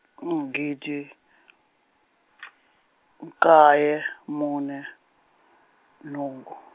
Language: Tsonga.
gidi , nkaye, mune, nhungu.